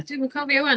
Dwi'm yn cofio ŵan.